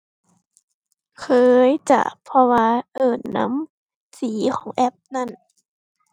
เคยจ้า เพราะว่าเอิ้นนำสีของแอปนั้น